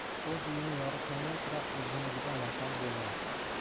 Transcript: o'z uyini yoritmagan chiroq o'zganikida mash'al bo'lmas